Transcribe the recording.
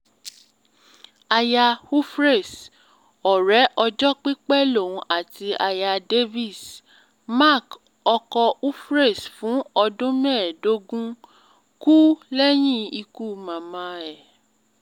Aya Humphreys, ọ̀rẹ́ ọjọ́ pípẹ́ lòun àti Aya Davies. Mark, ọkọ Humphreys fún ọdún 15, kú lẹ́yìn ikú màmá ẹ̀.